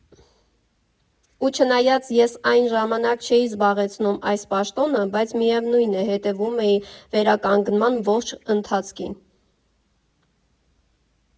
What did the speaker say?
Ու չնայած ես այն ժամանակ չէի զբաղեցնում այս պաշտոնը, բայց միևնույն է, հետևում էի վերականգնման ողջ ընթացքին։